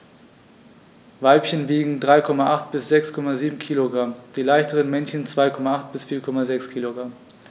Weibchen wiegen 3,8 bis 6,7 kg, die leichteren Männchen 2,8 bis 4,6 kg.